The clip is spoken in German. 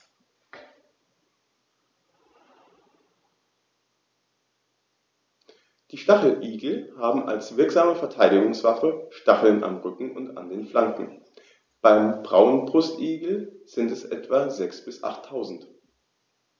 Die Stacheligel haben als wirksame Verteidigungswaffe Stacheln am Rücken und an den Flanken (beim Braunbrustigel sind es etwa sechs- bis achttausend).